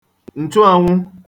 ǹchụānwụ̄